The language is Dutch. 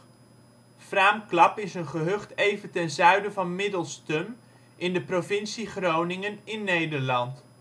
Fraamklap is een gehucht even ten zuiden van Middelstum in de provincie Groningen in Nederland